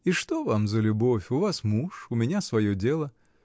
И что вам за любовь — у вас муж, у меня свое дело.